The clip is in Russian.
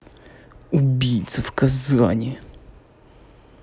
убийца в казани